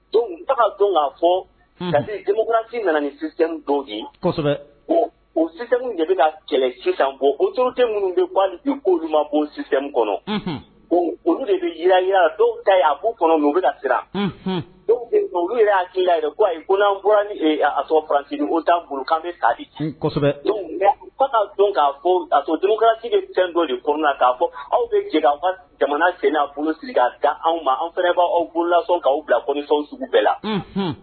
Don don k'a fɔ kamuransi nana ni sisan don o de bɛ ka kɛlɛ sisan bon otoden minnu bɛ k ko ma bonw kɔnɔ olu de bɛ yi dɔw ta a' kɔnɔ siran dɔw olu yɛrɛ y'a hakili ye ko bɔra faransigi o takan ka cisigi bɛ fɛn dɔ de ko na'a fɔ aw bɛ gɛlɛya jamana sen sigi da anw ma an fana'aw bolola ka bilasɔnw sugu bɛɛ la